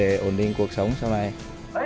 để ổn định cuộc sống sau này